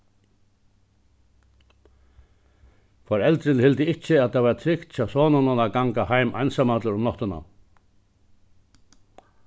foreldrini hildu ikki at tað var trygt hjá soninum at ganga heim einsamallur um náttina